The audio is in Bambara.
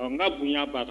N ka bonya baana!